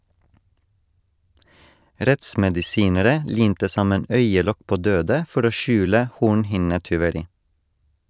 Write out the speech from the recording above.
Rettsmedisinere limte sammen øyelokk på døde for å skjule hornhinnetyveri.